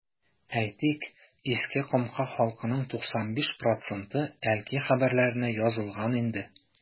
Әйтик, Иске Камка халкының 95 проценты “Әлки хәбәрләре”нә язылган инде.